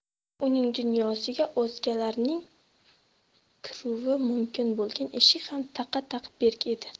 uning dunyosiga o'zgalarning kiruvi mumkin bo'lgan eshik ham taqa taq berk edi